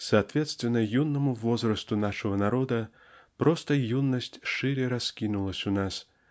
Соответственно юному возрасту нашего народа просто юность шире раскинулась у нас